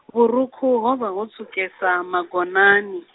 vhurukhu hovha ho tswukesa magonani.